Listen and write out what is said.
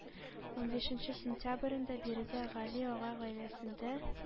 Унбишенче сентябрендә биредә гали ага гаиләсендә